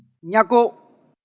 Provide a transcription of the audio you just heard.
nhạc cụ